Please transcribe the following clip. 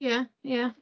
Ia ia